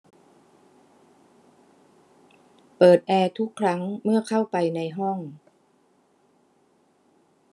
เปิดแอร์ทุกครั้งเมื่อเข้าไปในห้อง